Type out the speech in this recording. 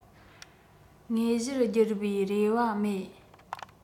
དངོས གཞིར བསྒྱུར བའི རེ བ མེད